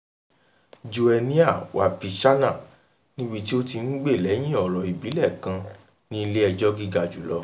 Joenia Wapichana níbi tí ó ti ń gbè lẹ́yìn ọ̀rọ̀ ìbílẹ̀ kan ní ilé-ẹjọ́ gíga jùlọ.